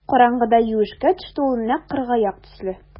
Караңгыда юешкә төште ул нәкъ кыргаяк төсле.